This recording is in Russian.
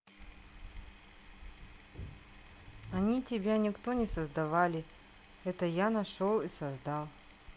они тебя никто не создавали это я тебя нашел и создал